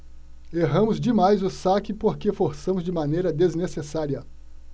erramos demais o saque porque forçamos de maneira desnecessária